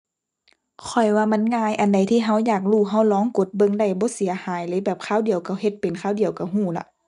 ข้อยว่ามันง่าย อันใดที่เราอยากรู้ เราลองกดเบิ่งได้บ่เสียหายเลย แบบคราวเดียวเราเฮ็ดเป็น คราวเดียวเราเราละ